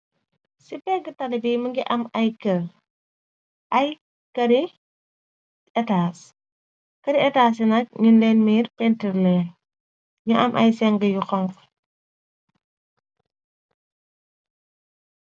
ci bégg talibyi më ngi am ay kër ay kari ataas këri etaas i nag ñu leen miir pentrlen ñu am ay seng yu xong